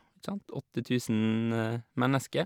Ikke sant, åtte tusen mennesker.